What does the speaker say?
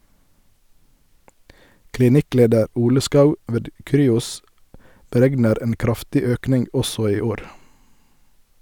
Klinikkleder Ole Schou ved Cryos beregner en kraftig økning også i år.